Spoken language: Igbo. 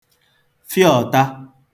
fọụ̀ta